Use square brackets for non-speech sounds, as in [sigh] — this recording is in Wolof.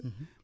[hesitation] [hesitation]